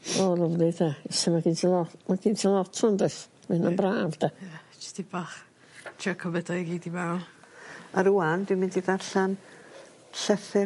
O lyfli 'de. So ma' gen ti lot ma' gen ti lot ŵan does? Ma' 'yn yn braf 'de? Ie js 'dig bach trio cymryd o i gyd i fewn. A rŵan dwi'n mynd i ddarllan llythyr...